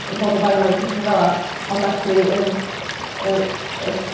yn bod yn violent a petha fel 'a ond actually yr yy y